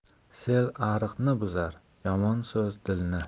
sel ariqni buzar yomon so'z dilni